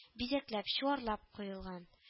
Бизәкләп-чуарлап коелган